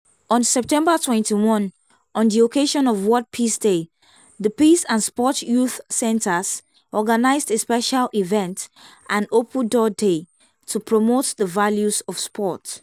On September 21, on the occasion of World Peace Day, the Peace and Sport youth centers organized a special event, an Open Door day, to promote the values of sport.